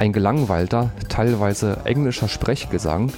gelangweilter, teilweise englischer Sprechgesang